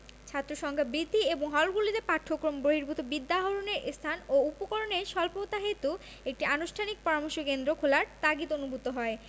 ছাত্রসংখ্যা বৃদ্ধি এবং হলগুলিতে পাঠক্রম বহির্ভূত বিদ্যা আহরণের স্থান ও উপকরণের স্বল্পতাহেতু একটি আনুষ্ঠানিক পরামর্শ কেন্দ্র খোলার তাগিদ অনুভূত হয়